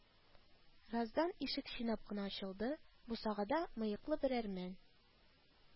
Раздан ишек чинап кына ачылды, бусагада мыеклы бер әрмән